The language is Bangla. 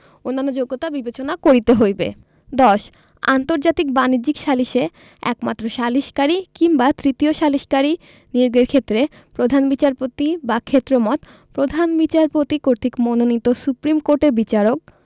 অন্যান্য যোগ্যতা বিবেচনা করিতে হইবে ১০ আন্তর্জাতিক বাণিজ্যিক সালিসে একমাত্র সালিসকারী কিংবা তৃতীয় সালিসকারী নিয়োগের ক্ষেত্রে প্রধান বিচারপতি বা ক্ষেত্রমত প্রধান বিচারপতি কর্তৃক মনোনীত সুপ্রীম কোর্টের বিচারক